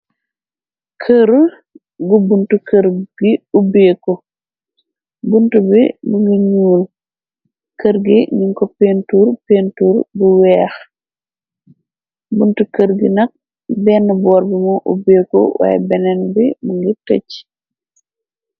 Kër gu buntu kër gi ubbeeko, buntu bi mu ngi ñuul, kër gi ñun ko péntuur péntur bu weex, buntu kër gi nak, bénn boor bi mu ngi ubbeeko waayé benen bi mu ngir tëcc.